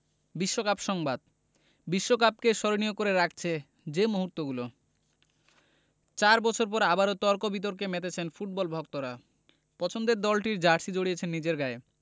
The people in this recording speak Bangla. বিশ্বকাপ সংবাদ বিশ্বকাপকে স্মরণীয় করে রাখছে যে মুহূর্তগুলো চার বছর পর আবারও তর্ক বিতর্কে মেতেছেন ফুটবল ভক্তরা পছন্দের দলটির জার্সি জড়িয়েছেন নিজেদের গায়ে